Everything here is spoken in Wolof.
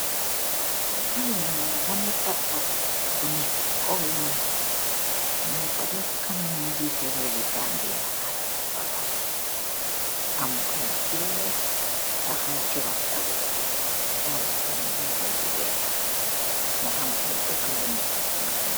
Li mungeh woneh tableau bu neka chi kaw yon bi, njing fa def kanami njeeti rewi Gambia adama barrow, amm iiy gorr yu takhaw chi ron tableau bi, sol sen mbuba yu wekh, mu am iiy oortoh yu neka sen ganaw.